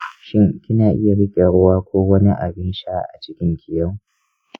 shin kina iya riƙe ruwa ko wani abin sha a cikinki yau?